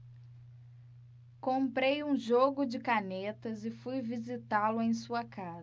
comprei um jogo de canetas e fui visitá-lo em sua casa